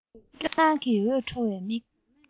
སྐྱོ སྣང གི འོད འཕྲོ བའི མིག